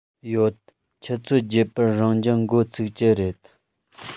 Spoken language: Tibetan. ཡོད ཆུ ཚོད བརྒྱད པར རང སྦྱོང འགོ ཚུགས ཀྱི རེད